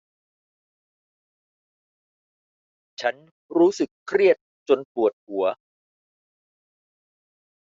ฉันรู้สึกเครียดจนปวดหัว